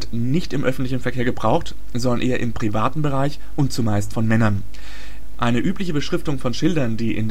nicht im öffentlichen Verkehr gebraucht, sondern eher im privaten Bereich und zumeist von Männern. Eine übliche Beschriftung von Schildern, die